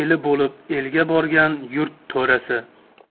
eli bo'lib elga borgan yurt to'rasi